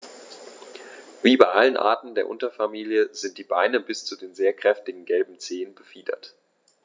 Wie bei allen Arten der Unterfamilie sind die Beine bis zu den sehr kräftigen gelben Zehen befiedert.